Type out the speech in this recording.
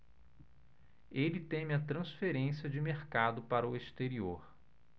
ele teme a transferência de mercado para o exterior